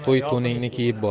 to'y to'ningni kiyib bor